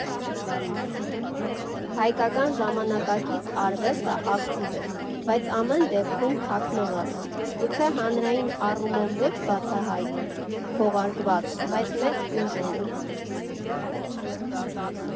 Հայկական ժամանակակից արվեստը ակտիվ է, բայց ամեն դեպքում՝ թաքնված, գուցե հանրային առումով ոչ բացահայտ, քողարկված, բայց մեծ ուժ ունի։